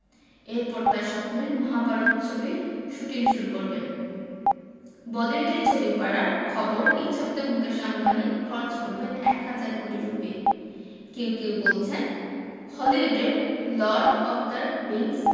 এরপর তাঁর স্বপ্নের মহাভারত ছবির শুটিং শুরু করবেন বলিউডের ছবিপাড়ার খবর এই ছবিতে মুকেশ আম্বানি খরচ করবেন এক হাজার কোটি রুপি কেউ কেউ বলছেন হলিউডের লর্ড অব দ্য রিংস